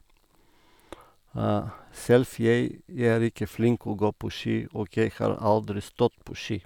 Selv, jeg jeg er ikke flink å gå på ski, og jeg har aldri stått på ski.